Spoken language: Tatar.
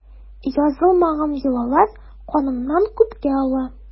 Язылмаган йолалар кануннан күпкә олы.